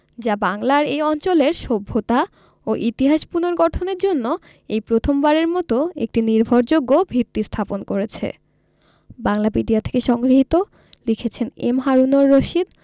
যা বাংলার এই অঞ্চলের সভ্যতা ও ইতিহাস পুনর্গঠনের জন্য এই প্রথমবারের মত একটি নির্ভরযোগ্য ভিত্তি স্থাপন করেছে বাংলাপিডিয়া থেকে সংগ্রহীত লিখেছেন এম হারুনুর রশিদ